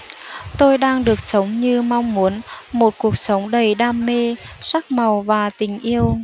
tôi đang được sống như mong muốn một cuộc sống đầy đam mê sắc màu và tình yêu